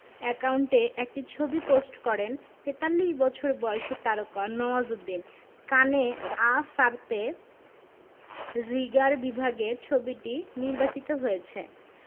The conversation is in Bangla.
অ্যাকাউন্টে একটি ছবি পোস্ট করেন ৪৩ বছর বয়সী তারকা নওয়াজুদ্দিন কানে আঁ সারতে রিগার বিভাগে ছবিটি নির্বাচিত হয়েছে